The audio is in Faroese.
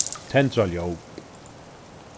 tendra ljóð